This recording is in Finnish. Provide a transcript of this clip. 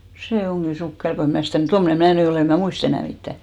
se onkin sukkela kun en minä sitä - tuommoinen minä nyt olen en minä muista enää mitään